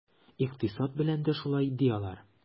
Икътисад белән дә шулай, ди алар.